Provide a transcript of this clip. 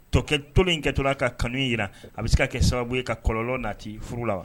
Tɔ to in kɛ to a ka kanu jira a bɛ se ka kɛ sababu ye ka kɔlɔlɔn nati furu la wa